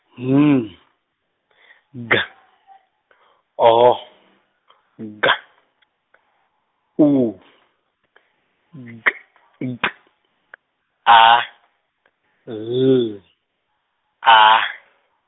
N, G , O, K , U , K, K, A, L, A.